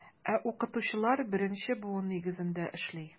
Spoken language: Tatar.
Ә укытучылар беренче буын нигезендә эшли.